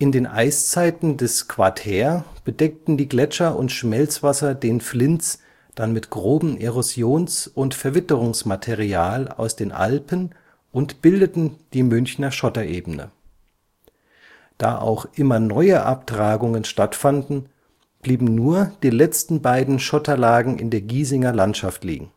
den Eiszeiten des Quartär bedeckten die Gletscher und Schmelzwasser den Flinz dann mit grobem Erosions - und Verwitterungsmaterial aus den Alpen und bildeten die Münchner Schotterebene. Da auch immer neue Abtragungen stattfanden, blieben nur die letzten beiden Schotterlagen in der Giesinger Landschaft liegen